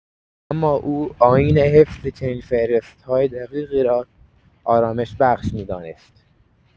اما او آیین حفظ چنین فهرست‌های دقیقی را آرامش‌بخش می‌دانست.